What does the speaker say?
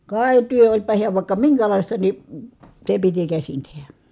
kai työ olipa hän vaikka minkälaista niin se piti käsin tehdä